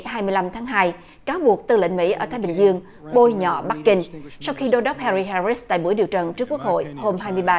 hai mươi lăm tháng hai cáo buộc tư lệnh mĩ ở thái bình dương bôi nhọ bắc kinh trong khi đô đốc he ri he rít tại buổi điều trần trước quốc hội hôm hai mươi ba